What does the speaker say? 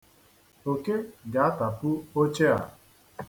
Oke ga-atapu oche a.